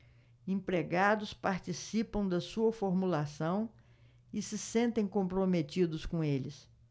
empregados participam da sua formulação e se sentem comprometidos com eles